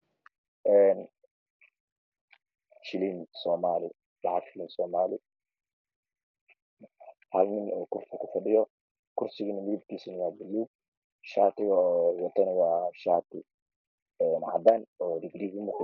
Een shillin somali lacag shillin somali Hal nin kursi ku fadhiyo kursigana midabkiisana waa baluug shastigana wataan waa shaati cadaan oo riid-riidmo.